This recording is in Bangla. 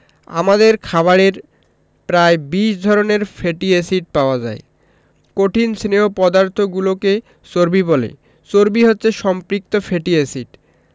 আমাদের খাবারে প্রায় ২০ ধরনের ফ্যাটি এসিড পাওয়া যায় কঠিন স্নেহ পদার্থগুলোকে চর্বি বলে চর্বি হচ্ছে সম্পৃক্ত ফ্যাটি এসিড